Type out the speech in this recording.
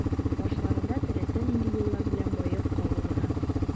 Башларында теләсә нинди юллар белән баеп калу гына.